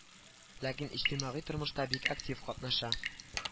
Ләкин иҗтимагый тормышта бик актив катнаша